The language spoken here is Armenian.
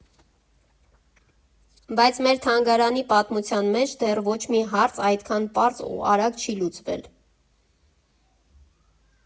Բայց մեր թանգարանի պատմության մեջ դեռ ոչ մի հարց այդքան պարզ ու արագ չի լուծվել։